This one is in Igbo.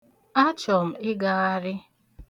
Achọ m ịgagharị.